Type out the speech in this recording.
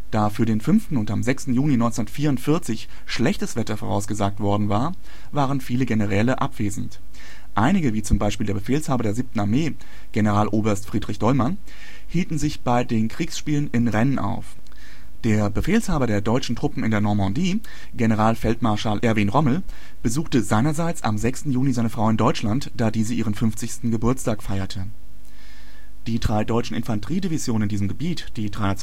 Da für den 5. und am 6. Juni 1944 schlechtes Wetter vorausgesagt worden war, waren viele Generäle abwesend. Einige, wie z.B der Befehlshaber der 7. Armee, Generaloberst Friedrich Dollmann, hielten sich bei Kriegsspielen in Rennes auf. Der Befehlshaber der deutschen Truppen in der Normandie, Generalfeldmarschall Erwin Rommel, besuchte seinerseits am 6. Juni seine Frau in Deutschland, da diese ihren 50. Geburtstag feierte. Die drei deutschen Infanteriedivisionen in diesem Gebiet, die 352